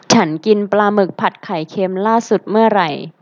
ฉันกินปลาหมึกผัดไข่เค็มล่าสุดเมื่อไหร่